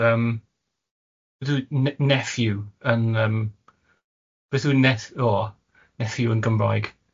yym, beth yw ne- nephew yn yym.. Beth yw neff- o, nephew yn Gymraeg?